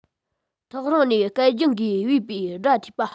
ཐག རིང ནས སྐད རྒྱང གིས བོས པའི སྒྲ ཐོས པ